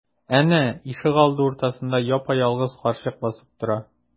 Әнә, ишегалды уртасында япа-ялгыз карчык басып тора.